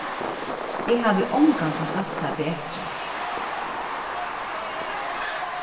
eg havi ongantíð havt tað betri